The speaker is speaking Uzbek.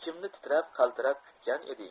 kimni titrab qaltirab kutgan eding